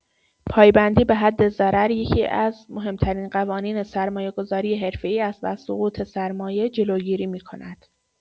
پایبندی به حد ضرر یکی‌از مهم‌ترین قوانین سرمایه‌گذاری حرفه‌ای است و از سقوط سرمایه جلوگیری می‌کند.